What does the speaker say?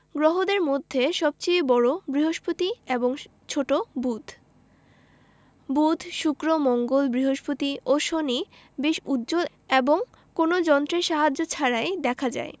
গ্রহদের মধ্যে সবচেয়ে বড় বৃহস্পতি এবং ছোট বুধ বুধ শুক্র মঙ্গল বৃহস্পতি ও শনি বেশ উজ্জ্বল এবং কোনো যন্ত্রের সাহায্য ছাড়াই দেখা যায়